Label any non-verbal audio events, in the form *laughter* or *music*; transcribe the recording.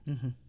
*hesitation* *hesitation*